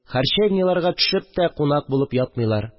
Харчевнягә төшеп тә кунак булып ятмыйлар